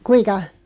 kuinka